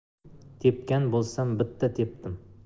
tepgan bo'lsam bitta tepdim